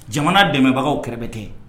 Jamana dɛmɛbagaw kɛrɛfɛ ten